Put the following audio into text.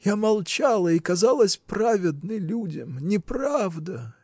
Я молчала и казалась праведной людям: неправда!